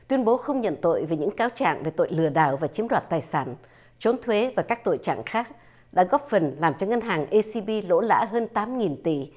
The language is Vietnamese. tuyên bố không nhận tội vì những cáo trạng về tội lừa đảo chiếm đoạt tài sản trốn thuế và các tội trạng khác đã góp phần làm cho ngân hàng ây si bi lỗ lã hơn tám nghìn tỷ